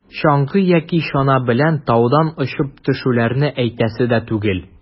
Чаңгы яки чана белән таудан очып төшүләрне әйтәсе дә түгел.